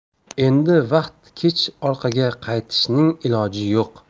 endi vaqt kech orqaga qaytishning iloji yo'q